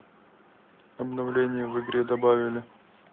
обновление в игре добавили